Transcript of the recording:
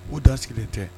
U da sigilen tɛ